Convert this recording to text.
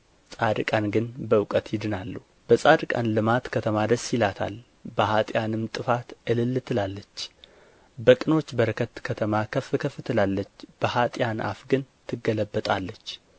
ጻድቃን ግን በእውቀት ይድናሉ በጻድቃን ልማት ከተማ ደስ ይላታል በኀጥኣንም ጥፋት እልል ትላለች በቅኖች በረከት ከተማ ከፍ ከፍ ትላለች በኀጥኣን አፍ ግን ትገለበጣለች